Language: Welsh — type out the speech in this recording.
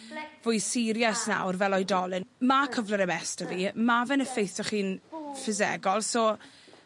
fwy serious nawr fel oedolyn. Ma' cyflwr Em Ess 'da fi, ma' fe'n effeithio chi'n ffysegol so